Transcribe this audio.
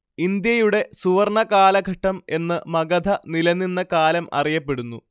ഇന്ത്യയുടെ സുവര്‍ണ്ണ കാലഘട്ടം എന്ന് മഗധ നിലനിന്ന കാലം അറിയപ്പെടുന്നു